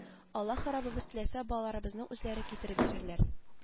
Аллаһы раббыбыз теләсә балаларыбызны үзләре китереп бирерләр